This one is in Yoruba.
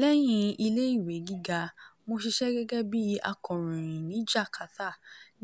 Lẹ́yìn ilé-ìwé gíga, mo ṣiṣẹ́ gẹ́gẹ́ bíi akọ̀ròyìn ní Jakarta,